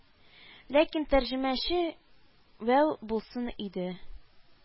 Ләкин тәрҗемәче вяу булсын иде